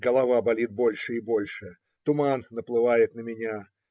Голова болит больше и больше, туман наплывает на меня.